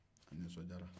a nisɔndiyara